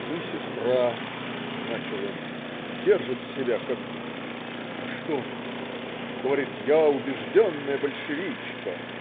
Ну и сестра,- начал он,-держит себя как!" - "А что?" - "Говорит: я убежденная большевичка.